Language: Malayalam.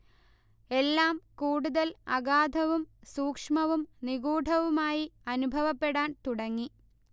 എല്ലാം കൂടുതൽ അഗാധവും സൂക്ഷ്മവും നിഗൂഢവുമായി അനുഭവപ്പെടാൻ തുടങ്ങി